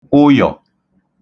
ụyọ̀